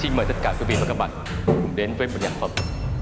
xin mời quý vị và các bạn cùng đến với một nhạc phẩm